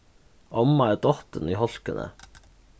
omma er dottin í hálkuni